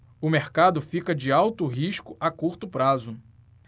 o mercado fica de alto risco a curto prazo